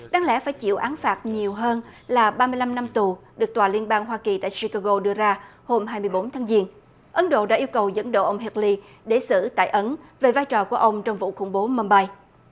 đáng lẽ phải chịu án phạt nhiều hơn là ba mươi lăm năm tù được tòa liên bang hoa kỳ tại chi ca gô đưa ra hôm hai mươi bốn tháng giêng ấn độ đã yêu cầu dẫn độ ông héc li để xử tại ấn về vai trò của ông trong vụ khủng bố mâm bai